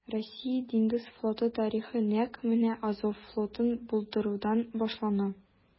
Россия диңгез флоты тарихы нәкъ менә Азов флотын булдырудан башлана.